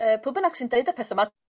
yy pw' bynnag sy'n deud y petha 'ma